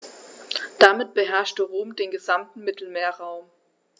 Damit beherrschte Rom den gesamten Mittelmeerraum.